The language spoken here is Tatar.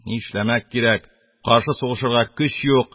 Ни эшләмәк кирәк, каршы сугышырга көч юк